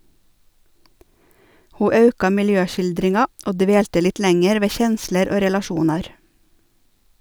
Ho auka miljøskildringa og dvelte litt lenger ved kjensler og relasjonar.